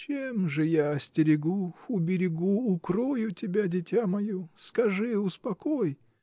— Чем же я остерегу, уберегу, укрою тебя, дитя мое?. Скажи, успокой!.